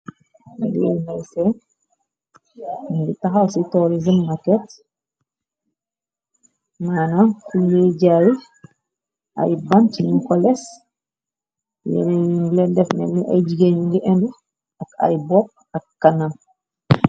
Li ngai seen mingi taxaw ci torism market, maanam ku ñuy jaay ay banti ci nu ko les yereyinle deff nii ay jigéen nu ngi enu ak ay bopp, ak kanam.